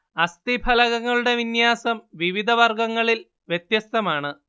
അസ്ഥിഫലകങ്ങളുടെ വിന്യാസം വിവിധ വർഗങ്ങളിൽ വ്യത്യസ്തമാണ്